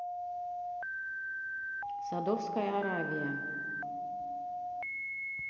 садовская аравия